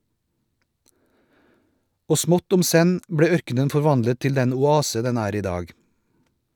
Og smått om senn ble ørkenen forvandlet til den oase den er i dag.